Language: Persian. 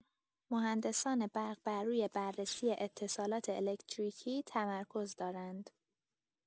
مهندسان برق بر روی بررسی اتصالات الکتریکی تمرکز دارند.